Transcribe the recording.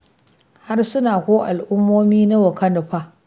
Harsuna ko al'ummomi nawa ka nufa?